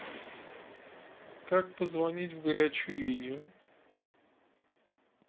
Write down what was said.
как позвонить в горячую линию